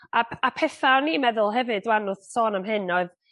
A p- a petha o'n i'n meddwl hefyd ŵan wrth sôn am hyn oedd